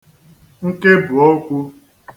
nkebùokwu